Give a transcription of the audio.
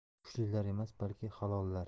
kuchlilar emas balki halollar